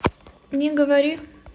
не говори